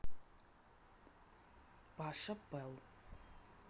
паша пэл